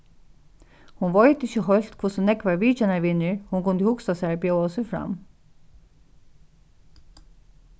hon veit ikki heilt hvussu nógvar vitjanarvinir hon kundi hugsa sær bjóðaðu seg fram